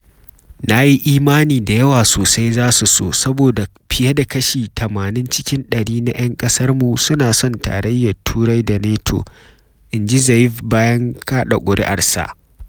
“Na yi imani da yawa sosai za su so saboda fiye da kashi 80 cikin ɗari na ‘yan ƙasarmu suna son Tarayyar Turai da NATO,”inji Zaev bayan kaɗa kuri’arsa.